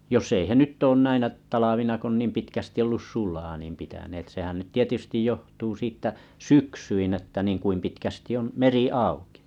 jos ei he nyt ole näinä talvina kun on niin pitkästi ollut sulaa niin pitäneet sehän nyt tietysti johtuu siitä syksyin että niin kuinka pitkästi on meri auki